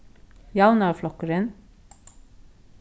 javnaðarflokkurin